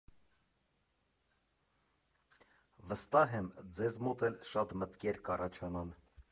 Վստահ եմ, ձեզ մոտ էլ շատ մտքեր կառաջանան։